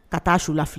Ka taa su la filɛ